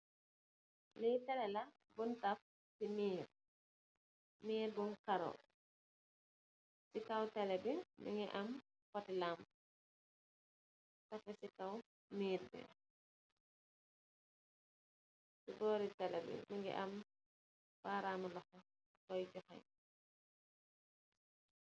Lii tele la bun taf cii mirr, mirr bun kahroh, ci kaw tele bii mungy am poti lampue ahju chi kaw mirr bi, cii bohri tele bii mungy am bahramu lokhor yui fengh.